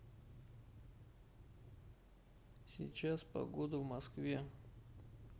сейчас погода в москве